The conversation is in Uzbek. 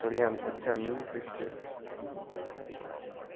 qilgan pochchamning go'shti